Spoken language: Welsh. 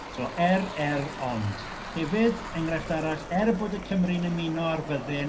So er er ond hefyd engraifft arall er bod y Cymry'n ymuno a'r fyddin